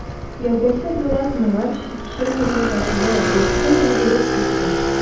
Гәүдәсе буйлап моңарчы кичермәгән татлы дулкын йөгереп узды.